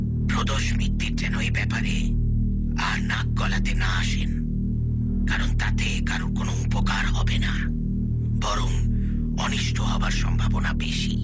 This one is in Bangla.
প্রদোষ মিত্তির যেন ও ব্যাপারে আর নাক গলাতে না আসেন কারণ তাতে কারুর কোনও উপকার হবে না বরং অনিষ্ট হবার সম্ভাবনা বেশি